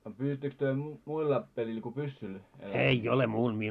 no pyysittekö te muilla pelillä kuin pyssyllä eläimiä